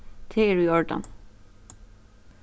tað er í ordan